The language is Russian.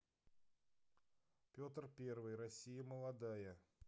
петр первый россия молодая